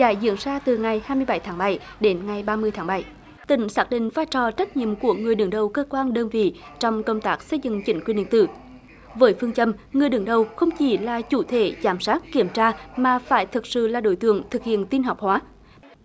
giải diễn ra từ ngày hai mươi bảy tháng bảy đến ngày ba mươi tháng bảy tỉnh xác định vai trò trách nhiệm của người đứng đầu cơ quan đơn vị trong công tác xây dựng chính quyền điện tử với phương châm người đứng đầu không chỉ là chủ thể giám sát kiểm tra mà phải thực sự là đối tượng thực hiện tin học hóa